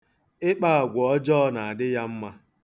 Ịkpa agwa ọjọọ na-adị ya mma.